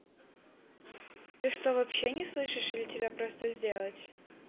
ты что вообще не слышишь или тебя просто сделать